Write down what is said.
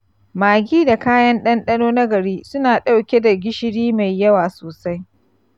maggi da kayan ɗanɗano na gari suna ɗauke da gishiri mai yawa sosai.